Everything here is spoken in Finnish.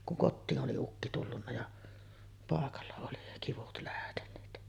kun kotiin oli ukki tullut ja paikalla oli kivut lähteneet